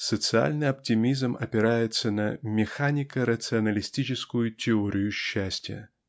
социальный оптимизм опирается на механико-рационалистическую теорию счастья.